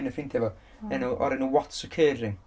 un o ffrindia fo, enw, o'r enw 'Watts Ocurring?'